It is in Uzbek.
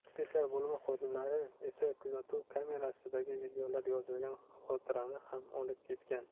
ichki ishlar bolimi xodimlari esa kuzatuv kamerasidagi videolar yozilgan xotirani ham olib ketgan